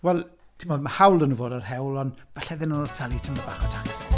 Wel timod, mae hawl 'da nhw fod ar yr hewl, ond falle ddylen nhw talu tamaid bach o tax. .